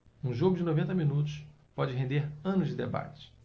um jogo de noventa minutos pode render anos de debate